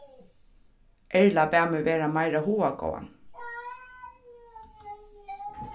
erla bað meg vera meira hugagóðan